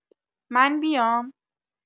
من بیام؟